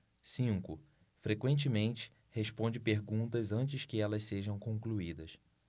cinco frequentemente responde perguntas antes que elas sejam concluídas